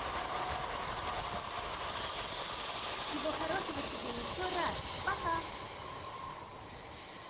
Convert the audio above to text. всего хорошего тебе еще раз пока